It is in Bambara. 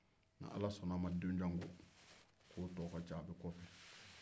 ni ala sɔnna a man don janw o tɔ ka ca kɔ fɛ